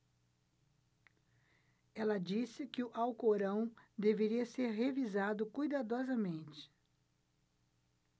ela disse que o alcorão deveria ser revisado cuidadosamente